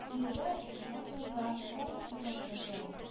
Биредә, дошман тылында, бары тик урман гына шулай